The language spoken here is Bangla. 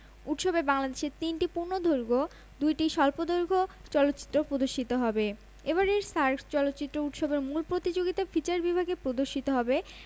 আর ফ্যাশন হাউজের ফটোশুটে খল অভিনেতা ও চিত্রনায়িকার যুগল ফটোশুট একটু বৈচিত্রময় ঘটনাই বটে কেননা এই দুইজন পর্দার বাইরে মডেল হিসেবেও সুখ্যাতি ধরে রেখেছেন